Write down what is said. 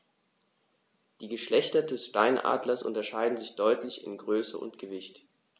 Die Geschlechter des Steinadlers unterscheiden sich deutlich in Größe und Gewicht.